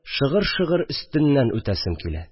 Шыгыр-шыгыр өстеннән үтәсем килә